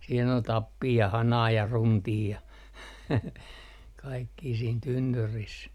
siinä oli tappia ja hanaa ja runtia ja kaikkia siinä tynnyrissä